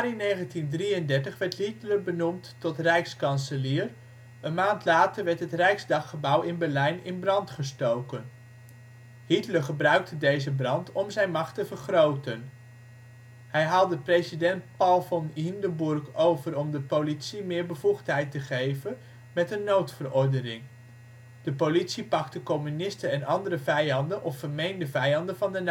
1933 werd Hitler benoemd tot rijkskanselier, een maand later werd het Rijksdaggebouw in Berlijn in brand gestoken. Hitler gebruikte deze brand om zijn macht te vergroten. Hij haalde president Paul von Hindenburg over om de politie meer bevoegdheden te geven met een noodverordening, de politie pakte communisten en andere vijanden of vermeende vijanden van de